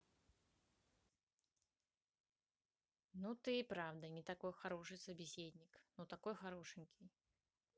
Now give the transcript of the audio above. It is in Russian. ну ты и правда не такой хороший собеседник но такой хорошенький